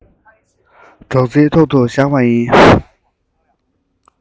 སྒྲོག ཙེའི ཐོག ཏུ བཞག པ ཡིན